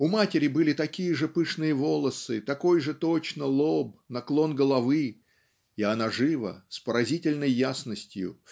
У матери были такие же пышные волосы такой же точно лоб наклон головы. И она живо с поразительной ясностью